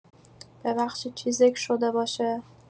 ببخشید چی ذکر شده باشه؟